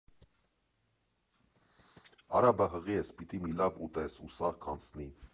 Արա բա հղի ես, պտի մի լա՜վ ուտես, ու սաղ կանցնի։